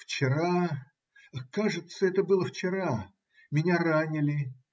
Вчера (кажется, это было вчера?) меня ранили